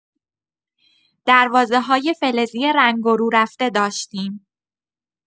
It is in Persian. دروازه‌های فلزی رنگ و رو رفته داشتیم.